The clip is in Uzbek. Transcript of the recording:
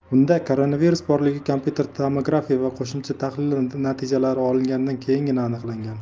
unda koronavirus borligi kompyuter tomografiyasi va qo'shimcha tahlillar natijalari olingandan keyingina aniqlangan